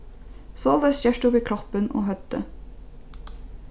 soleiðis gert tú við kroppin og høvdið